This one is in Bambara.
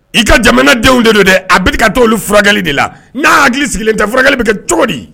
I ka jamana denw de don dɛ a bi ka taa furakɛli de la n'a hakili sigilen ka furakɛli bɛ kɛ cogo di